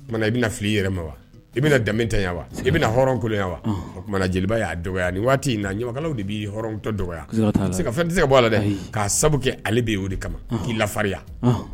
O kumana i bɛna fili i yɛrɛ ma wa i bɛna danbe tanya wa est ce que i bɛna hɔrɔnw kolonya wa ɔnhɔn o kumana jeliba y'a dɔgɔya ni waati in na ɲamakalaw de b'i hɔrɔntɔ dɔgɔya siga t'a la i tise ka fɛn tise ka bo a la dɛ ayii k'a sabu kɛ ale be ye o de kama k'i lafariya ɔnhɔn